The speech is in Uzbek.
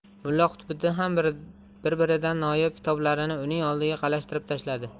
mulla qutbiddin ham biri biridan noyob kitoblarni uning oldiga qalashtirib tashladi